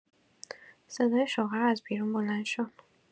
صدای شوهر از بیرون بلند شد